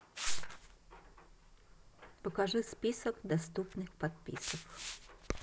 покажи список доступных подписок